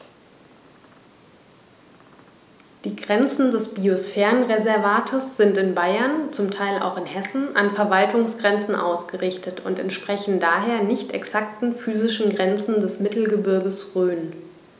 Die Grenzen des Biosphärenreservates sind in Bayern, zum Teil auch in Hessen, an Verwaltungsgrenzen ausgerichtet und entsprechen daher nicht exakten physischen Grenzen des Mittelgebirges Rhön.